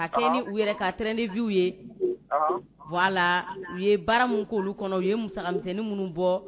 Ka kɛ u yɛrɛ ka trɛn ni bi ye a la u ye baara min k' olu kɔnɔ u ye mumisɛntnin minnu bɔ